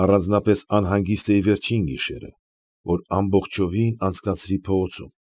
Առանձնապես անհանգիստ էի վերջին գիշերը, որ ամբողջովին անցկացրի փողոցում։